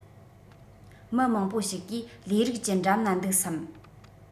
མི མང པོ ཞིག གིས ལས རིགས ཀྱི འགྲམ ན འདུག བསམ